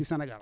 ci Sénégal